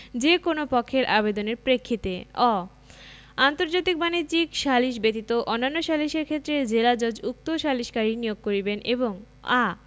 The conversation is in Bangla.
যে কোন পক্ষের আবেদনের প্রেক্ষিতে অ আন্তর্জাতিক বাণিজ্যিক সালিস ব্যতীত অন্যান্য সালিসের ক্ষেত্রে জেলাজজ উক্ত সালিসকারী নিয়োগ করিবেন এবং আ